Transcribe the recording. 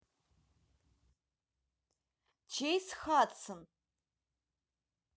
чейз хадсон